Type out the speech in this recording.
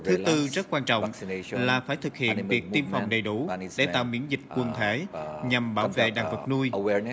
thứ tư rất quan trọng là phải thực hiện việc tiêm phòng đầy đủ để tạo miễn dịch quần thể nhằm bảo vệ đàn vật nuôi